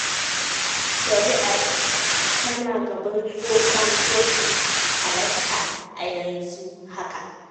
Shari’ar tana gaban Tsohon Kotun Alaska a yanzu haka.